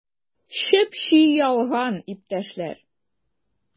Чеп-чи ялган, иптәшләр!